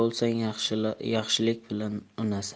bo'lsang yaxshilik bilan unasan